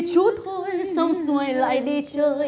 chút thôi xong xuôi lại đi chơi